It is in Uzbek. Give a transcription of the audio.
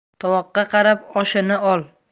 tovoqqa qarab oshini ol